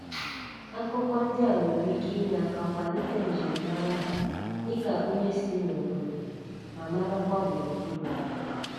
Akụkọ ndị a nwere ike inye aka kwalite njirimara ha dị ka onye si n'obodo ma marakwa gburugburu ahụ.